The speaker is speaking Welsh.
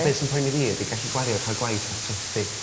...be' sy'n poeni fi ydi gallu gwario ca'l gwaith a trethu.